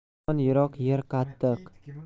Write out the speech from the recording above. osmon yiroq yer qattiq